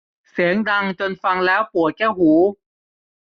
เสียงดังจนฟังแล้วปวดแก้วหู